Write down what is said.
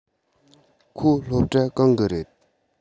ཁོ སློབ གྲྭ གང གི རེད